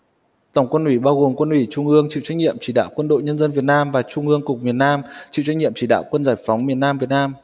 tổng quân ủy bao gồm quân ủy trung ương chịu trách nhiệm chỉ đạo quân đội nhân dân việt nam và trung ương cục miền nam chịu trách nhiệm chỉ đạo quân giải phóng miền nam việt nam